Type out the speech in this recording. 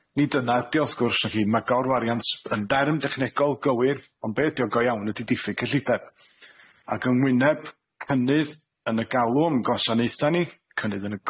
Nid dyna ydi o wrth gwrs felly ma' gorwariant yn derm dechnegol gywir, ond be' ydi o go iawn ydi diffyg cyllideb ac yng ngwyneb cynnydd yn y galw 'n gwasanaetha ni cynnydd yn y